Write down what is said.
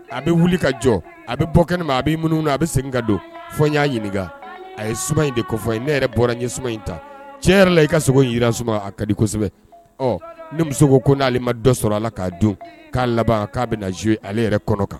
A bɛ wuli ka jɔ a bɛ bɔ kɛnɛ ma a bɛ minnu na a bɛ segin ka don fɔ n y'a ɲininka a ye suma in de kofɔ ne yɛrɛ bɔra ɲɛ suma in ta cɛ yɛrɛ la i ka sogo yiri jirara suma a ka di kosɛbɛ ɔ ne muso ko n'ale ma dɔ sɔrɔ a la k'a don k'a laban k'a bɛ na z ale yɛrɛ kɔnɔ kan